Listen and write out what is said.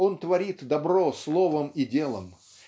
Он творит добро словом и делом